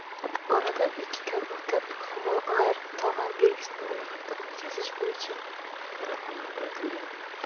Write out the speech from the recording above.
oradan ikki kun o'tib humo air tovar belgisini ro'yxatdan o'tkazish bo'yicha talabnoma kiritilgan